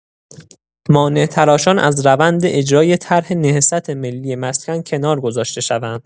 مانع‌تراشان از روند اجرای طرح نهضت ملی مسکن کنار گذاشته شوند.